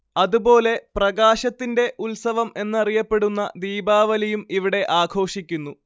അതു പോലെ പ്രകാശത്തിന്റെ ഉത്സവം എന്നറിയപ്പെടുന്ന ദീപാവലിയും ഇവിടെ ആഘോഷിക്കുന്നു